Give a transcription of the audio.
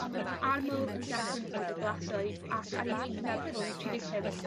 On' ma' nw'n arml yn dechre yn ystod y glasoed ac ar 'u withaf rhwng tri deg pump a